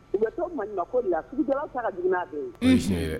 U to maɲimako de la sugujɔlaw ta ka jugu n'a bɛ yen, unhun